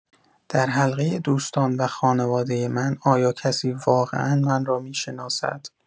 در حلقه دوستان و خانواده من، آیا کسی واقعا من را می‌شناسد؟